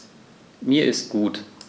Mir ist gut.